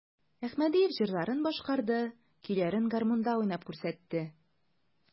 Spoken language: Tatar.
Әхмәдиев җырларын башкарды, көйләрен гармунда уйнап күрсәтте.